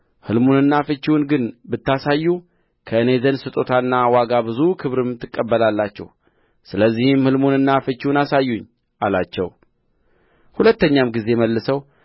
ሕልሙንና ፍቺውን ግን ብታሳዩ ከእኔ ዘንድ ስጦታና ዋጋ ብዙ ክብርም ትቀበላላችሁ ስለዚህም ሕልሙንና ፍቺውን አሳዩኝ አላቸው ሁለተኛም ጊዜ መልሰው